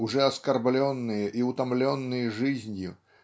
уже оскорбленные и утомленные жизнью